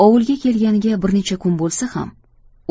ovulga kelganiga bir necha kun bolsa ham